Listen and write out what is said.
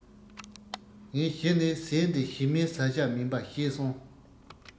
ངས གཞི ནས ཟས འདི ཞི མིའི བཟའ བྱ མིན པ ཤེས སོང